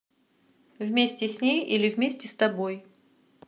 вместе с ней или вместе с тобой